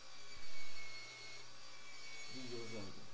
видео зомби